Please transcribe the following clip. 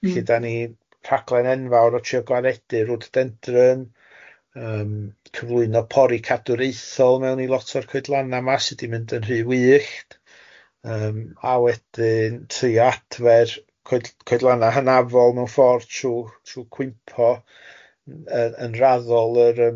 Lly da ni rhaglen enfawr o trio gwaredu rhododendron, yym cyflwyno pori cadwraethol mewn i lot o'r coedlanna ma sy di mynd yn rhy wyllt yym a wedyn trio adfer coe- codelanna hynnafol trw cwympo yn raddol yr yym